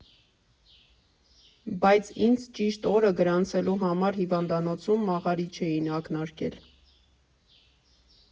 Բայց ինձ ճիշտ օրը գրանցելու համար հիվանդանոցում մաղարիչ էին ակնարկել։